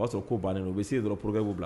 O b'a sɔrɔ ko banen u bɛ se' sɔrɔ pkew bila